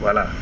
voilà